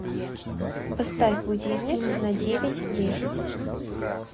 поставь будильник на девять десять